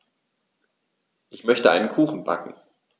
Ich möchte einen Kuchen backen.